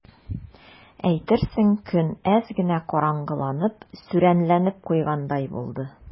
Әйтерсең, көн әз генә караңгыланып, сүрәнләнеп куйгандай булды.